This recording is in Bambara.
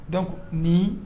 Donc nin